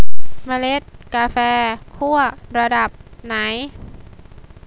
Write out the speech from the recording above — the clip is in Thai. เมล็ดกาแฟคั่วระดับไหน